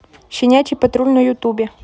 щенячий патруль на ютубе